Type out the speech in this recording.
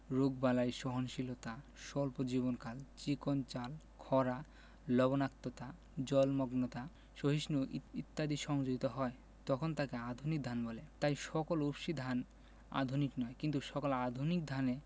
রোগবালাই সহনশীলতা স্বল্প জীবনকাল চিকন চাল খরা লবনাক্ততা জলমগ্নতা সহিষ্ণু ইত্যাদি সংযোজিত হয় তখন তাকে আধুনিক ধান বলে তাই সকল উফশী ধান আধুনিক নয় কিন্তু সকল আধুনিক ধানে